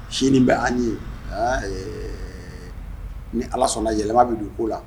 Sini bɛ an ye ni ala sɔnna yɛlɛma bɛ don'o la